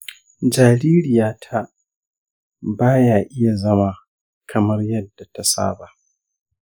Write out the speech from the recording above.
jaririya ta ba ya iya zama kamar yadda ta saba.